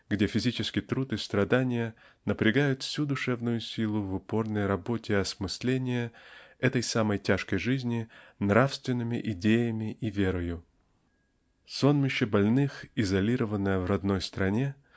где физический труд и страдания напрягают всю душевную силу в упорной работе осмысления этой самой тяжкой жизни нравственными идеями и верою. Сонмище больных изолированное в родной стране